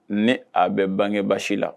Ne a bɛ bange baasi la